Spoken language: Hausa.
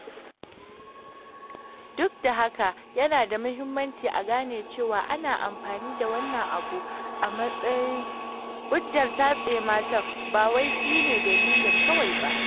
Duk da haka, yana da muhimmanci a gane cewa ana amfani da wannan abu a matsayin hujjar tatse matan, ba wai shi ne dalili kaɗai ba.